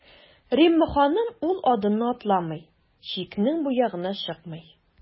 Римма ханым ул адымны атламый, чикнең бу ягына чыкмый.